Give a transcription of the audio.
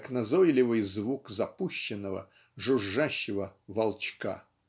как назойливый звук запущенного жужжащего волчка.